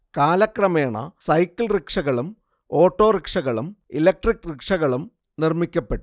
കാലക്രമേണ സൈക്കിൾ റിക്ഷകളും ഓട്ടോറിക്ഷകളും ഇലക്ട്രിക് റിക്ഷകളും നിർമ്മിക്കപ്പെട്ടു